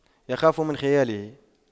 يخاف من خياله